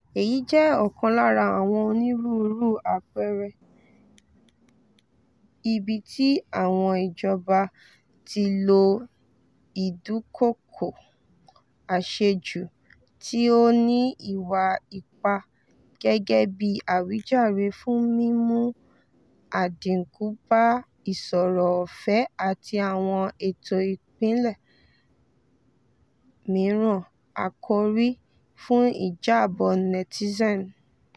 Èyí jẹ́ ọ̀kan lára àwọn onírúurú àpẹẹrẹ ibi tí àwọn ìjọba ti lo ìdúkokò àṣejù tí ó ní ìwà ipá gẹ́gẹ́ bí àwíjàre fún mímú àdínkù bá ìsọ̀rọ̀ ọ̀fẹ́ àti àwọn ètò ìpìlẹ̀ mìíràn-àkòrí fún ìjábọ̀ Netizen.